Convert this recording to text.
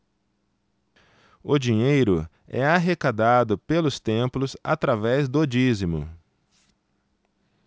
o dinheiro é arrecadado pelos templos através do dízimo